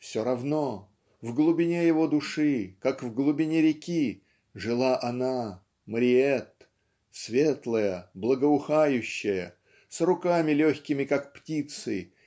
все равно в глубине его души как в глубине реки жила она Мариэтт светлая благоухающая с руками легкими как птицы